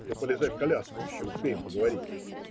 Ну, полезай в коляску, еще успеем поговорить.